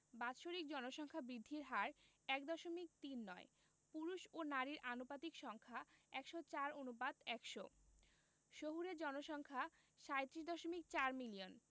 বাৎসরিক জনসংখ্যা বৃদ্ধির হার ১দশমিক তিন নয় পুরুষ ও নারীর আনুপাতিক সংখ্যা ১০৪ অনুপাত ১০০ শহুরে জনসংখ্যা ৩৭দশমিক ৪ মিলিয়ন